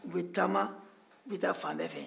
u bɛ taama u bɛ taa fanbɛɛ fɛ